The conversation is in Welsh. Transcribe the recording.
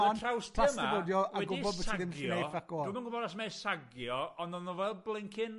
Oedd y trawstie 'ma wedi sagio, dwi'm yn gwybod os mae'n sagio, on' o'dd nw fel blincin'